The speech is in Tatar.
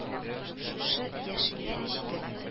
Шушы яшеңә җитеп